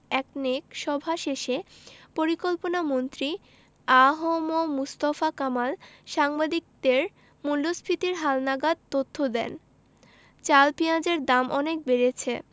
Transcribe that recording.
একনেক সভা শেষে পরিকল্পনামন্ত্রী আ হ ম মুস্তফা কামাল সাংবাদিকদের মূল্যস্ফীতির হালনাগাদ তথ্য দেন চাল পেঁয়াজের দাম অনেক বেড়েছে